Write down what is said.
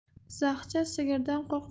zag'cha sigirdan qo'rqmas